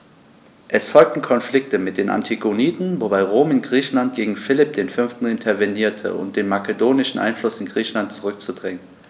Es folgten Konflikte mit den Antigoniden, wobei Rom in Griechenland gegen Philipp V. intervenierte, um den makedonischen Einfluss in Griechenland zurückzudrängen.